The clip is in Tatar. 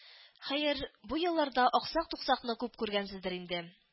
Хәер, бу елларда аксак-туксакны күп күргәнсездер инде